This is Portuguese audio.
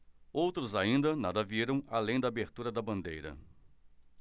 outros ainda nada viram além da abertura da bandeira